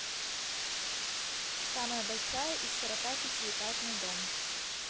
самая большая из сорока пятиэтажный дом